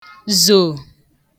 zò